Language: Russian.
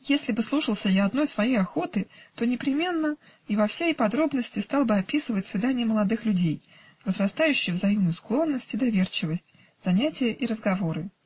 Если бы слушался я одной своей охоты, то непременно и во всей подробности стал бы описывать свидания молодых людей, возрастающую взаимную склонность и доверчивость, занятия, разговоры